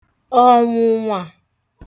ọ̀nwụ̀nwà